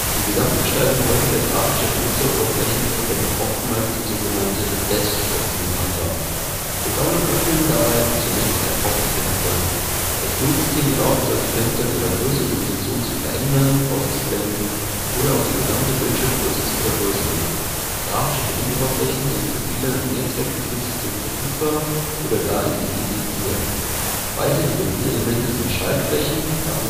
Die Gesamtgestaltung heutiger grafischer Oberflächen verwendet oftmals die sogenannte Desktop-Metapher. Programme öffnen dabei zunächst ein Hauptfenster. Das GUI-System erlaubt, solche Fenster in ihrer Größe und Position zu verändern, auszublenden oder auf die gesamte Bildschirmgröße zu vergrößern. Grafische Bedienoberflächen sind für viele Mehrzweck-Betriebssysteme verfügbar oder gar in sie integriert. Weitere Bedienelemente sind Schaltflächen (Buttons